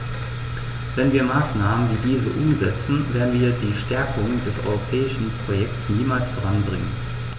Wenn wir Maßnahmen wie diese umsetzen, werden wir die Stärkung des europäischen Projekts niemals voranbringen.